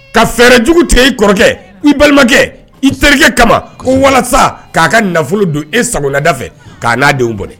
Ka fɛɛrɛ jugu tigɛ i kɔrɔkɛ, i balimakɛ, i terikɛ, ka ma ko walasa k'a ka nafolo don e sago na da fɛ k'a n'a denw bɔnɛ.